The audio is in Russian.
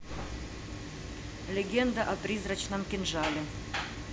легенда о призрачном кинжале